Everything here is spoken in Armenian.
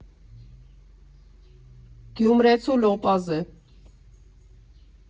Գյումրեցու լոպազ է։